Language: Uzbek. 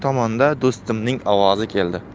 tomonda do'stimning ovozi keldi